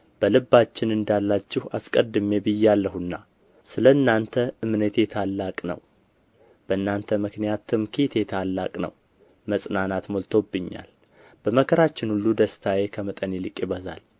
በልባችን እንዳላችሁ አስቀድሜ ብዬአለሁና ስለ እናንተ እምነቴ ታላቅ ነው በእናንተ ምክንያት ትምክህቴ ታላቅ ነው መጽናናት ሞልቶብኛል በመከራችን ሁሉ ደስታዬ ከመጠን ይልቅ ይበዛል